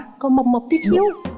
coi mộc mộc tý xíu